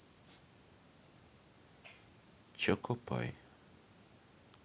choco pie